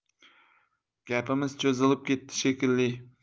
gapimiz cho'zilib ketdi shekilli